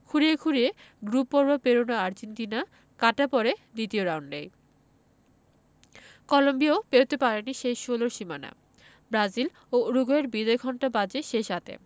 খুঁড়িয়ে খুঁড়িয়ে গ্রুপপর্ব পেরনো আর্জেন্টিনা কাটা পড়ে দ্বিতীয় রাউন্ডেই কলম্বিয়াও পেরোতে পারেনি শেষ ষোলোর সীমানা ব্রাজিল ও উরুগুয়ের বিদায়ঘণ্টা বাজে শেষ আটে